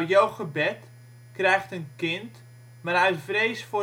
Jochebed krijgt een kind, maar uit vrees